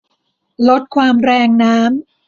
ลดความแรงน้ำ